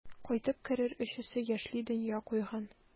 Кайтып керер өчесе яшьли дөнья куйган.